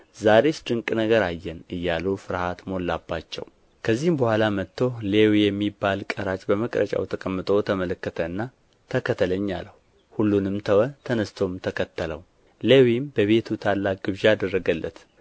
ዛሬስ ድንቅ ነገር አየን እያሉ ፍርሃት ሞላባቸው ከዚህም በኋላ ወጥቶ ሌዊ የሚባል ቀራጭ በመቅረጫው ተቀምጦ ተመለከተና ተከተለኝ አለው ሁሉንም ተወ ተነሥቶም ተከተለው ሌዊም በቤቱ ታላቅ ግብዣ አደረገለት